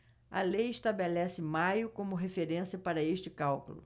a lei estabelece maio como referência para este cálculo